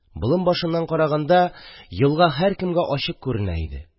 Болын башыннан караганда елга һәркемгә ачык күренә иде.